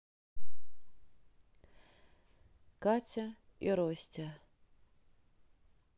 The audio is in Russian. катя и ростя